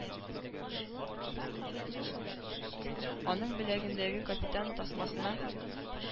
Аның беләгендәге капитан тасмасына